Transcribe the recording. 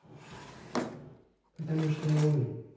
потому что это я умный